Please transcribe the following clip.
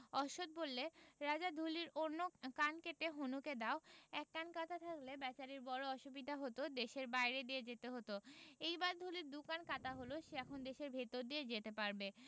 অশ্বখ বললে রাজা ঢুলির অন্য কান কেটে হনুকে দাও এক কান কাটা থাকলে বেচারির বড়ো অসুবিধা হতদেশের বাইরে দিয়ে যেতে হত এইবার ঢুলির দু কান কাটা হলসে এখন দেশের ভিতর দিয়ে যেতে পারবে